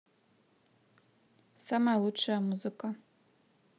самая лучшая музыка